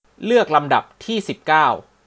เลือกลำดับที่สิบเก้า